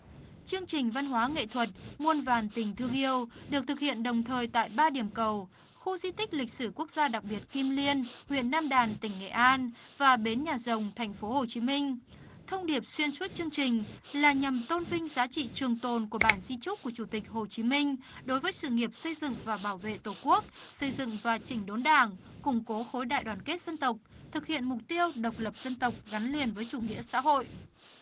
chương trình văn hóa nghệ thuật muôn vàn tình thương yêu được thực hiện đồng thời tại ba điểm cầu khu di tích lịch sử quốc gia đặc biệt kim liên huyện nam đàn tỉnh nghệ an và bến nhà rồng thành phố hồ chí minh thông điệp xuyên suốt chương trình là nhằm tôn vinh giá trị trường tồn của bản di chúc của chủ tịch hồ chí minh đối với sự nghiệp xây dựng và bảo vệ tổ quốc xây dựng và chỉnh đốn đảng củng cố khối đại đoàn kết dân tộc thực hiện mục tiêu độc lập dân tộc gắn liền với chủ nghĩa xã hội